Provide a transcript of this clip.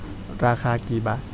ราคากี่บาท